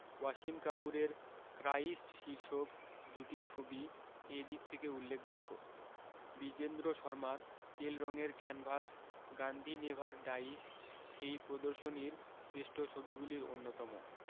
ওয়াসিম কাপূরের ক্রাইস্ট শীরষক দুটি ছবি এ দিক থেকে উল্লেখযোগ্য বিজেন্দ্র শরমার তেলরঙের ক্যানভাস গাঁন্ধী নেভার ডাইজ এই প্রদর্শনীর শ্রেষ্ঠ ছবিগুলির অন্যতম